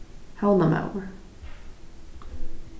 havnarmaður